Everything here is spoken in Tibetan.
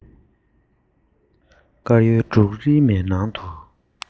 དཀར ཡོལ འབྲུག རིས མའི ནང དུ